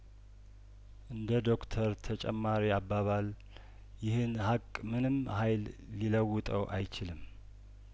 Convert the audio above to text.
እንደ ዶክተር ተጨማሪ አባባል ይህን ሀቅምንም ሀይል ሊለውጠው አይችልም